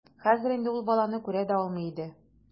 Хәзер инде ул баланы күрә дә алмый иде.